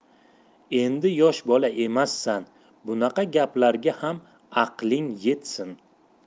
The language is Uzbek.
endi yosh bola emassan bunaqa gaplarga ham aqling yetsin